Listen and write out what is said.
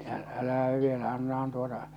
- älähän vielä annahan tuota